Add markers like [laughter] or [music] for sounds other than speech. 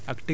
[hesitation] [hesitation]